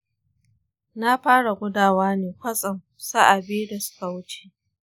na fara gudawa ne kwastam sa'a biyu da suka wuce.